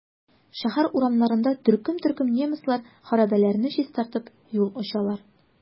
Шәһәр урамнарында төркем-төркем немецлар хәрабәләрне чистартып, юл ачалар.